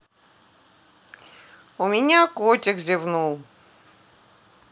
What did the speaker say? у меня котик зевнул